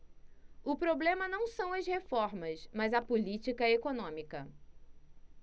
o problema não são as reformas mas a política econômica